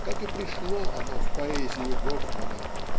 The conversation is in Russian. как и пришло оно в поэзию Гофмана